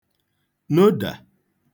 lodà